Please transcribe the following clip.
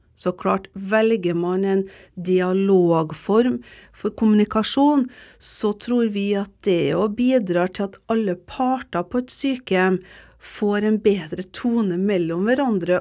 så klart velger man en dialogform for kommunikasjon så tror vi at det òg bidrar til at alle parter på et sykehjem får en bedre tone mellom hverandre.